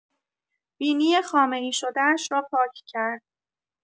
بینی خامه‌ای‌شده‌اش را پاک کرد.